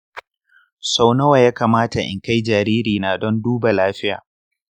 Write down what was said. sau nawa ne ya kamata in kai jaririna don duba lafiya?